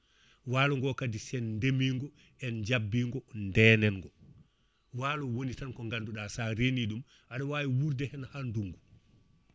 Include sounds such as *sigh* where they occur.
*breath* walo ngo kadi sen ndeemigo en jabbigo ndenen go walo woni tan ko ganduɗa sa reeni ɗum aɗa wawi wurde hen ha nduggu